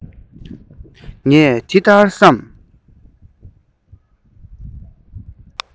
ངས འདི ལྟར བསམ